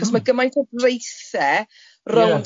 ...achos ma gymaint o dreuthe rownd... Ie.